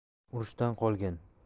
urushdan qolgan